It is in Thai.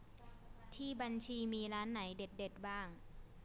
ที่บัญชีมีร้านไหนเด็ดเด็ดบ้าง